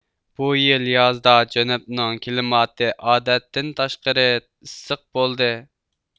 بۇ يىل يازدا جەنۇبنىڭ كىلىماتى ئادەتتىن تاشقىرى ئىسسىق بولدى